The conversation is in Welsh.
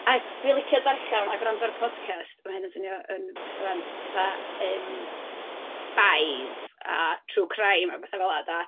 A dwi'n licio darllen a gwrando ar podcast. Ma' hyn yn swnio yn peth na' 'wan. Fatha, yym, spies a true crime a petha fela de.